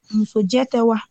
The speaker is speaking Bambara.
Musojɛ tɛ wa.